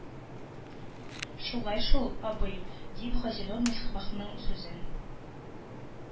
– шулай шул, абый, – дип, газинур мисбахның сүзен